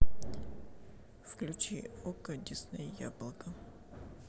включи окко дисней яблоко